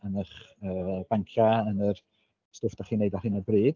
Yn eich yy banciau yn yr stwff dach chi'n wneud ar hyn o bryd.